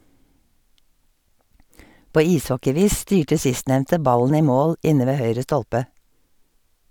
På ishockeyvis styrte sistnevnte ballen i mål inne ved høyre stolpe.